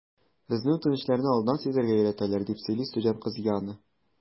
Безне үтенечләрне алдан сизәргә өйрәтәләр, - дип сөйли студент кыз Яна.